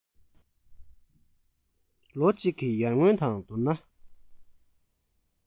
ལོ གཅིག གི ཡར སྔོན དང བསྡུར ན